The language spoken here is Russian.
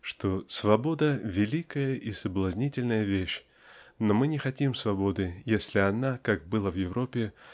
что "свобода -- великая и соблазнительная вещь но мы не хотим свободы если она как было в Европе